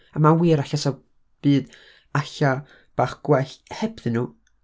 A ma'n wir alla 'sa'r byd alla bach gwell hebddyn nhw.